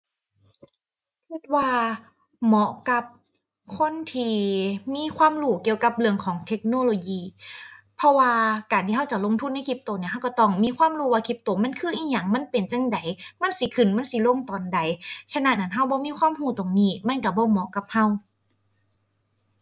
คิดว่าเหมาะกับคนที่มีความรู้เกี่ยวกับเรื่องของเทคโนโลยี เพราะว่าการที่คิดจะลงทุนในคริปโตเนี่ย คิดคิดต้องมีความรู้ว่าคริปโตมันคืออิหยัง มันเป็นจั่งใด มันสิขึ้นมันสิลงตอนใด ฉะนั้นหั้นคิดบ่มีความคิดตรงนี้มันคิดบ่เหมาะกับคิด